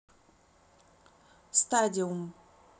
стадиум